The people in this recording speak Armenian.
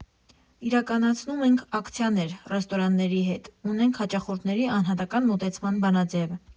Իրականացնում ենք ակցիաներ ռեստորանների հետ, ունենք հաճախորդների անհատական մոտեցման բանաձև։